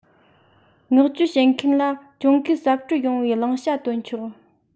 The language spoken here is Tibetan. མངགས བཅོལ བྱེད མཁན ལ གྱོང གུན གསབ སྤྲོད ཡོང བའི བླང བྱ བཏོན ཆོག